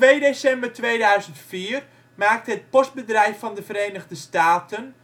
2 december 2004 maakte het Postbedrijf van de Verenigde Staten